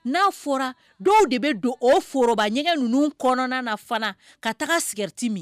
N'a fɔra dɔw de bɛ don o foroba ɲɛgɛn ninnu kɔnɔna na fana ka taga sɛrɛti min